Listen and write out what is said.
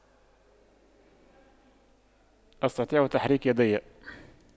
أستطيع تحريك يدي